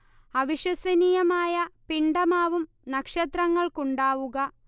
അവിശ്വസനീയമായ പിണ്ഡമാവും നക്ഷത്രങ്ങൾക്കുണ്ടാവുക